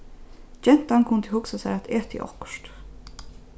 gentan kundi hugsað sær at etið okkurt